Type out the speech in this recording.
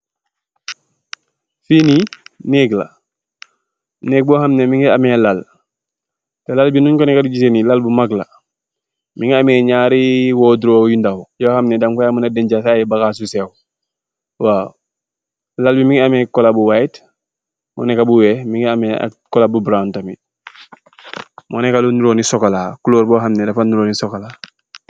Fii nii, nëëk la. Nëëk boo xam ne mu ngi am lal, të lal bi ñung ko neekë di gisee, lal bu mag la. Mu ngi amee, ñarri.,yoo xam ne dang siy deñci sa ay yu sew. Waaw, lal bi mu ngi am koloo bu weex ak bu barrawun tamit, kuloor bu nirro ak sokolaa.